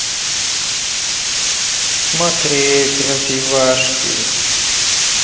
смотреть развивашки